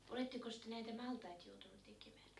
olettekos te näitä maltaita joutunut tekemään